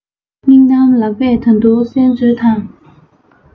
སྙིང གཏམ ལགས པས ད དུང གསན མཛོད དང